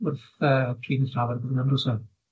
wrth yy trin a thrafod hwnna'n 'yn do's e?